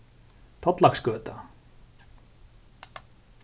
tollaksgøta